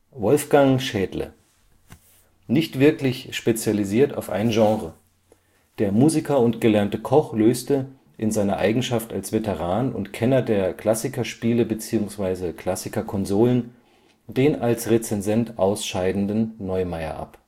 Wolfgang Schaedle Nicht wirklich spezialisiert auf ein Genre. Der Musiker und gelernte Koch löste – in seiner Eigenschaft als Veteran und Kenner der Klassikerspiele /- konsolen – den als Rezensent ausscheidenden Neumayer ab